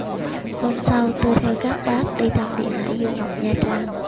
hôm sau tôi theo các bác đi thăm viện hải dương học nha trang